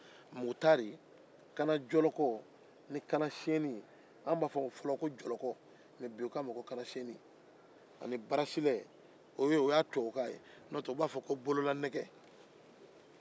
mukutari kannajɔlɔkɔ bololanɛgɛ ni kannasɛni